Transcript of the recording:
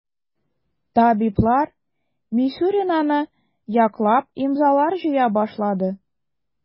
Табиблар Мисюринаны яклап имзалар җыя башлады.